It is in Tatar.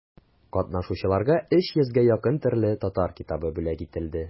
Катнашучыларга өч йөзгә якын төрле татар китабы бүләк ителде.